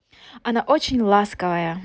она очень ласковая